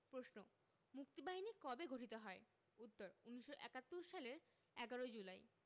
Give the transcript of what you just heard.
প্রশ্ন মুক্তিবাহিনী কবে গঠিত হয় উত্তর ১৯৭১ সালের ১১ জুলাই